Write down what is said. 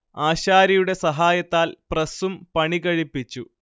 ആശാരിയുടെ സഹായത്താൽ പ്രസ്സും പണികഴിപ്പിച്ചു